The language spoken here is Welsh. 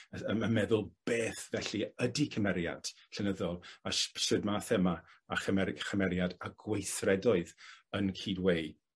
Y- yn yn meddwl beth felly ydi cymeriad llenyddol a sh- shwd ma' thema a chymeri- chymeriad a gweithredoedd yn cyd-weu.